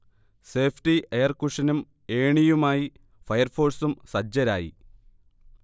safety air കുഷനും ഏണിയുമായി fire ഫോഴ്സും സജ്ജരായി